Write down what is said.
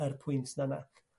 yr pwynt 'n yna.